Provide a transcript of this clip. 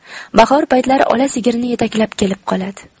bahor paytlari ola sigirini yetaklab kelib qoladi